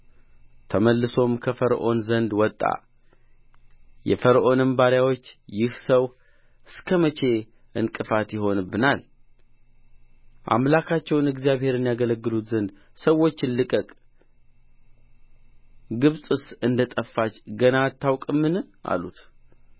ተመልሶም ከፈርዖን ዘንድ ወጣ የፈርዖንም ባሪያዎች ይህ ሰው እስከ መቼ ዕንቅፋት ይሆንብናል አምላካቸውን እግዚአብሔርን ያገለግሉት ዘንድ ሰዎችን ልቀቅ ግብፅስ እንደ ጠፋች ገና አታውቅምን አሉት